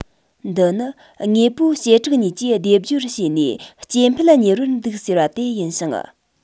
འདི ནི དངོས པོའི བྱེ བྲག གཉིས ཀྱིས སྡེབ སྦྱོར བྱས ནས སྐྱེ འཕེལ གཉེར བར འདུག ཟེར བ དེ ཡིན ཞིང